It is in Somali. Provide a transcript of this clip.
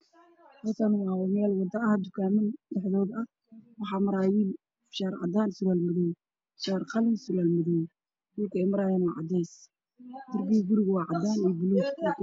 Waa meel maqaayad banaankeeda waxaa jooga dad boorka waxaa ku sawiran cuntooyin waana boor madow